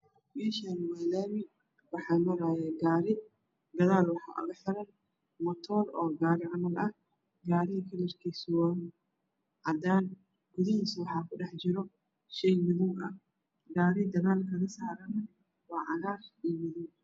Meshaan waa laami waxa mraayo gari gadaalna waxaa oga xiran matoor oo gaari camal aha gari kalarkiisa cadaan guduhiisa waxaa ku dhax jiro shey madow ah gari gadal kasarana waa cagaar iyo madow